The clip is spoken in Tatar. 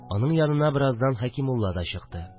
Аның янына бераздан Хәкимулла да чыкты